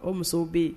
O musow be yen